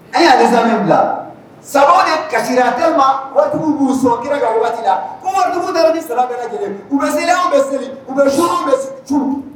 A' bila saba de ka den ma waatidugu b'u sɔn kira ka la lajɛlen u bɛ seli bɛ seli u bɛ sh bɛ